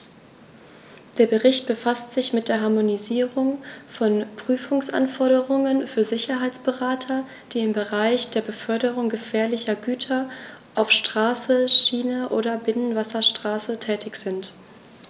Der Bericht befasst sich mit der Harmonisierung von Prüfungsanforderungen für Sicherheitsberater, die im Bereich der Beförderung gefährlicher Güter auf Straße, Schiene oder Binnenwasserstraße tätig sind.